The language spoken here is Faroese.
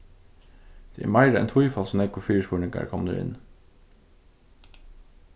tað eru meira enn tvífalt so nógvir fyrispurningar komnir inn